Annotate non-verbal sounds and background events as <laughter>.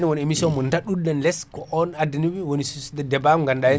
<clears throat> won emission mo dadɗuno ɗen less ko on addaniɓe woni source de débat mo ganduɗa henna